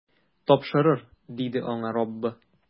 Тапшырыр, - диде аңа Раббы.